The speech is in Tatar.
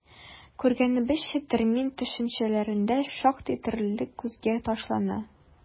Күргәнебезчә, термин-төшенчәләрдә шактый төрлелек күзгә ташлана.